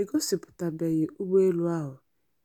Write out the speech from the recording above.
E gosịpụtabeghị ụgbọelu ahụ,